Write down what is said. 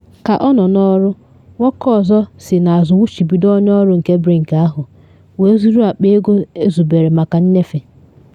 Ka ọ nọ n’ọrụ, nwoke ọzọ “si n’azụ wụchibido onye ọrụ nke Brink ahụ” wee zuru akpa ego ezubere maka nnyefe.